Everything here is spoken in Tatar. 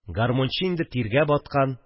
Гармунчы инде тиргә баткан